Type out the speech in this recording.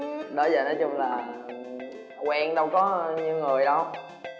đó giờ nói chung là quen đâu có nhiêu người đâu